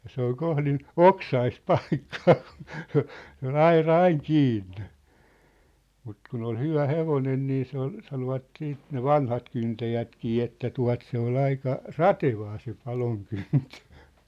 ja se oli kohdin oksaista paikkaa kun se oli aura aina kiinni mutta kun oli hyvä hevonen niin se oli sanoivat siitä ne vanhat kyntäjätkin että tuota se oli aika ratevaa se palonkyntö